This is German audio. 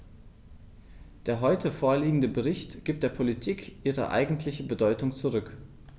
Der heute vorliegende Bericht gibt der Politik ihre eigentliche Bedeutung zurück.